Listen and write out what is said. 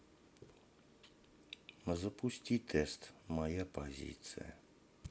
запусти тест моя позиция